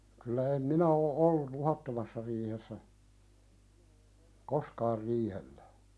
kyllä en minä ole ollut luhdattomassa riihessä koskaan riihellä